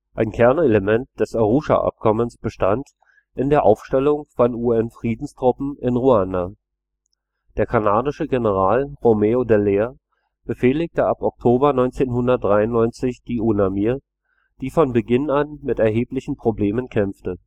Ein Kernelement des Arusha-Abkommens bestand in der Aufstellung von UN-Friedenstruppen in Ruanda. Der kanadische General Roméo Dallaire befehligte ab Oktober 1993 die UNAMIR, die von Beginn an mit erheblichen Problemen kämpfte